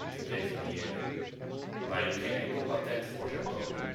definiëren, waarin geen enkel patent voor zou komen